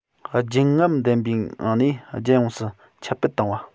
བརྗིད རྔམ ལྡན པའི ངང ནས རྒྱལ ཡོངས སུ ཁྱབ སྤེལ བཏང བ